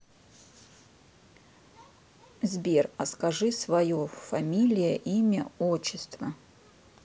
сбер а скажи свое фамилия имя отчество